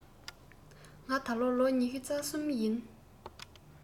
ང ད ལོ ལོ ཉི ཤུ རྩ གསུམ ཡིན